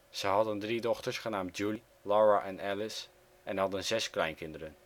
Ze hadden drie dochters genaamd Julie, Laura en Alice, en hadden zes kleinkinderen